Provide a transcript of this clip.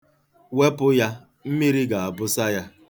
Wepụ ya, mmiri ga-abụsa ya.